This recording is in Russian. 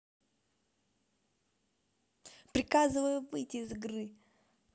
приказываю выйти из игры